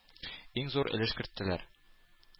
Иң зур өлеш керттеләр.